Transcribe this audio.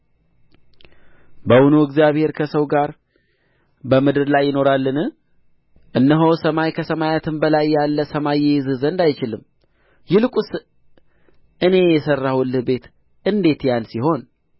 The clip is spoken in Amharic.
በውኑ እግዚአብሔር ከሰው ጋር በምድር ላይ ይኖራልን እነሆ ሰማይ ከሰማያትም በላይ ያለ ሰማይ ይይዝህ ዘንድ አይችልም ይልቁንስ እኔ የሠራሁት ቤት እንዴት ያንስ ይሆን